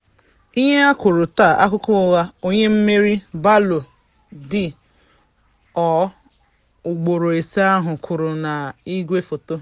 Ihe ha kwuru taa, akụkọ ụgha,” onye mmeri Ballo d’Or ugboro ise ahụ kwuru na igwefoto.